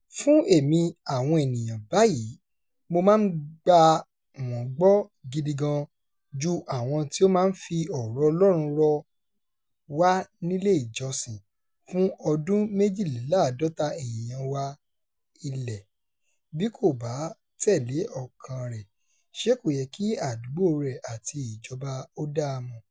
Fún èmi, àwọn ènìyàn báyìí, mo máa ń gbà wọ́n gbọ́ gidi gan-an, ju àwọn tí ó máa ń fi ọ̀rọ̀ Ọlọ́run [rọ] wá nílé ìjọsìn, fún ọdún 52 èèyàn-án wa ilẹ̀ — bí kò bá tẹ̀lé ọkàn-an rẹ̀, ṣé kò yẹ kí àdúgbòo rẹ̀ àti ìjọba ó dá a mọ̀?